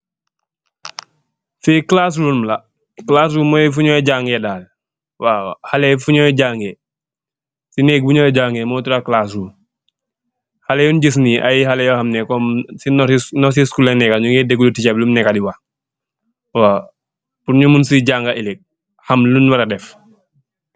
Fi classroom la, classroom moi funnoi jangeh daal, waw Haley funnoi jangeh, c neg bu noii jangeh mo tuda classroom. Heleh yunj jiss nii aii haleh yo hamneh kom c nursery school lenj neka nyunge deglu teacher b lum neka di wagh waw, purr nyu mun c jangeh eleck ham lum neka dii wah.